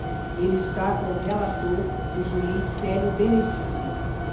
ele está com o relator o juiz célio benevides